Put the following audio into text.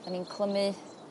'dyn ni'n clymu